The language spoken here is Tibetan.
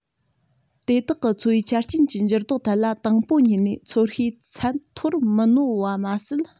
དེ དག གི འཚོ བའི ཆ རྐྱེན གྱི འགྱུར ལྡོག ཐད ལ དང པོ ཉིད ནས ཚོར ཤེས ཚད མཐོར མི རྣོ བ མ ཟད